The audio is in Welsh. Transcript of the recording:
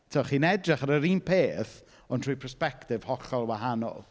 Tibod, ti'n edrych ar yr un peth ond trwy prosbectif hollol wahanol.